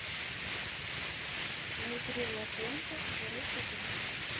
внутри лапенко второй сезон